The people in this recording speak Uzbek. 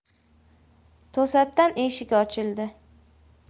to'satdan eshik ochildi